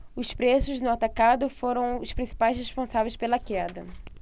os preços no atacado foram os principais responsáveis pela queda